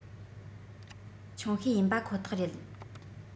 ཆུང ཤོས ཡིན པ ཁོ ཐག རེད